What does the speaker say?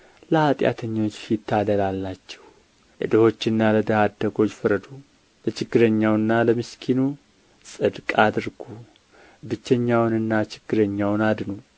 ለኃጢአተኞች ፊት ታደላላችሁ ለድሆችና ለድሀ አደጎች ፍረዱ ለችግረኛውና ለምስኪኑ ጽድቅ አድርጉ ብቸኛውንና ችግረኛውን አድኑ